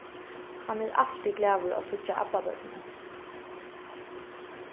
hann er altíð glaður at síggja abbabørnini